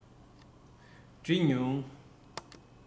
འདྲི མྱོང